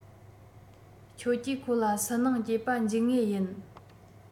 ཁྱོད ཀྱིས ཁོ ལ སུན སྣང སྐྱེས པ འཇུག ངེས ཡིན